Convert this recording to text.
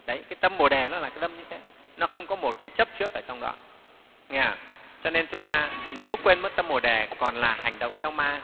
đó tâm bồ đề là cái tâm như thế nó không có một cái chấp trước ở trong đó cho nên chúng ta nếu quên mất tâm bồ đề còn là hành động theo ma